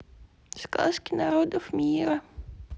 сказки народов мира